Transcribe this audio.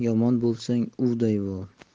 yomon bo'lsang uvday bo'l